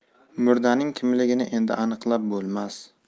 murdaning kimligini endi aniqlab bo'lmas